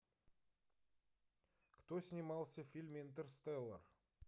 кто снимался в фильме интерстеллар